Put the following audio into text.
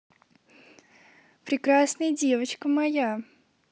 прекрасная девочка моя